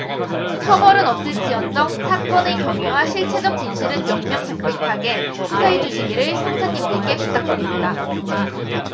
처벌은 없을지언정 사건의 경위와 실체적 진실은 명명백백하게 수사해주시기를 형사님들께 부탁드립니다